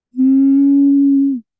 Hmm?